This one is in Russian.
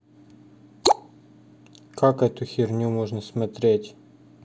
как эту херню можно смотреть